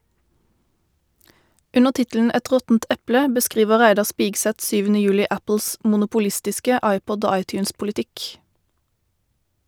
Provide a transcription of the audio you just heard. Under tittelen "Et råttent eple" beskriver Reidar Spigseth Apples monopolistiske iPod- og iTunes-politikk.